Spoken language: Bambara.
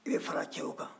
i bɛ fara cɛw kan